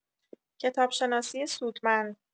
کتابشناسی سودمند